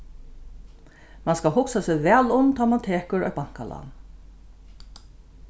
mann skal hugsa seg væl um tá mann tekur eitt bankalán